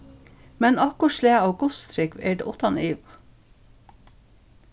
men okkurt slag av gudstrúgv er tað uttan iva